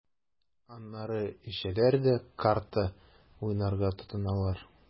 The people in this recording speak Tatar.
Аннары эчәләр дә карта уйнарга тотыналар.